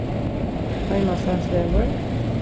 heimasandsvegur